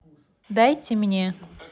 давайте мне